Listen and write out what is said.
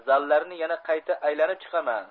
zallarni yana qayta aylanib chiqaman